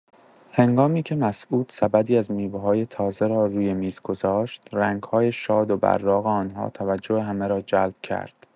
هنگامی‌که مسعود سبدی از میوه‌های تازه را روی میز گذاشت، رنگ‌های شاد و براق آن‌ها توجه همه را جلب کرد.